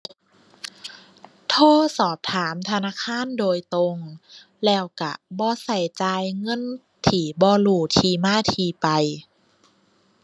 โทรสอบถามธนาคารโดยตรง แล้วก็บ่ก็จ่ายเงินที่บ่รู้ที่มาที่ไป